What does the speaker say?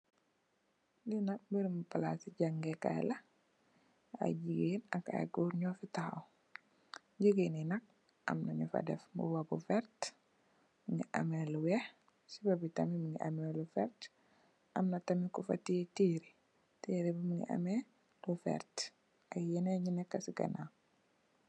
Li nak barabi palasi jangèè kai la, ay jigeen ak ay gór ñu fi taxaw. Jigeen yi nak am na ñu fa dèf mbuba bu werta mugii ameh lu wèèx, siwo bi tamid mugii ameh lu werta am na tamid ku fa teyeh teré, teré bi mugii ameh lu werta ak yenen yu nèkka ci ganaw.